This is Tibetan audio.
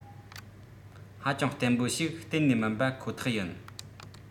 ཧ ཅང བརྟན པོ ཞིག གཏན ནས མིན པ ཁོ ཐག ཡིན